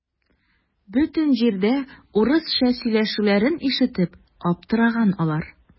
Бөтен җирдә урысча сөйләшүләрен ишетеп аптыраган алар.